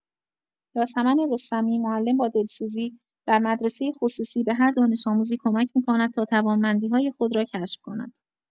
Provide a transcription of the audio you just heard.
یاسمن رستمی، معلم با دلسوزی در مدرسۀ خصوصی، به هر دانش‌آموزی کمک می‌کند تا توانمندی‌های خود را کشف کند.